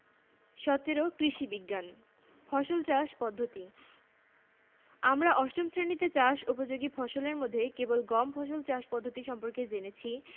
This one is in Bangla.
গ উচ্চফলনশীল উফশী জাতঃ বাংলাদেশের অনেক জমিতে উফশী ধানের চাষ করা হয়ে থাকে উফশী ধানের জাতগুলোর সাধারণ কতগুলো বৈশিষ্ট্য থাকে যেমনঃ গাছ মজবুত এবং পাতা খাড়া